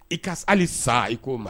I ka hali san i k koo ma